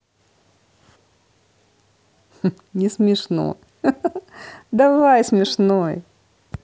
не смешно давай смешной